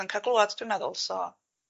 yn ca'l glwad dwi'n meddwl so...